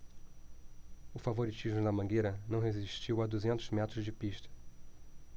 o favoritismo da mangueira não resistiu a duzentos metros de pista